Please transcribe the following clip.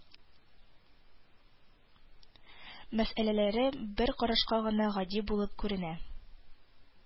Мәсьәләләре бер карашка гына гади булып күренә